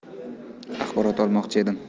axborot olmoqchi edim